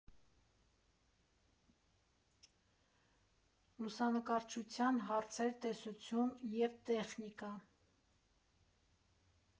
Լուսանկարչության հարցեր. տեսություն և տեխնիկա։